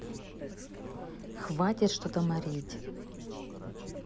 хватит что то морить